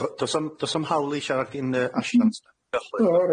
Yy do- do's 'na'm do's na'm hawl i siarad gin yr asiant.